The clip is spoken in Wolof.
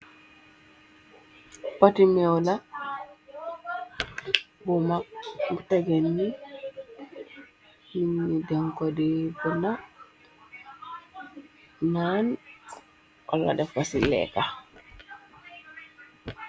Poti meola bu mag bu tegeg ne neetnye denkode buna naan wla deku ci leeka.